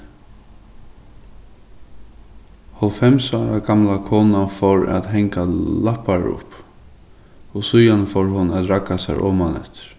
hálvfems ára gamla konan fór at hanga lappar upp og síðani fór hon at ragga sær omaneftir